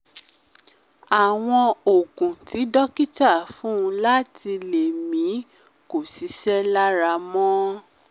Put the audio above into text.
Àwọn oògùn tí dókítà fún láti lè mí kò ṣiṣẹ́ lára mọ.